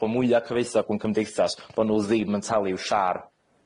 Diolch gawn ni yy ddechra efo 'i dymuno'n dda i'r yy